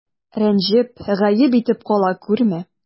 Рәнҗеп, гаеп итеп кала күрмә.